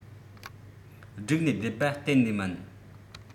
བསྒྲིགས ནས བསྡད པ གཏན ནས མིན